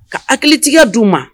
Ka hakili hakilitigɛ d' u ma